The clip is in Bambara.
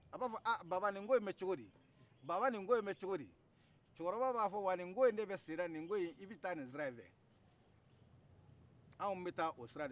cɛkɔrɔba b'a fɔ wa nin ko in de bɛ sen na nin ko in i bɛ taa nin sira in fɛ anw bɛ taa o sira de fɛ